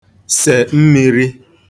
sè mmīrī